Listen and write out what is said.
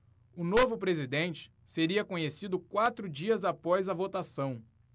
o novo presidente seria conhecido quatro dias após a votação